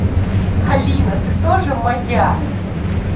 алина ты тоже моя